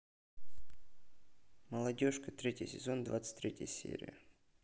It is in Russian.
молодежка третий сезон двадцать третья серия